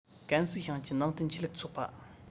ཀན སུའུ ཞིང ཆེན ནང བསྟན ཆོས ལུགས ཚོགས པ